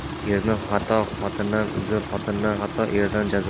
erdan xato xotindan uzr xotindan xato erdan jazo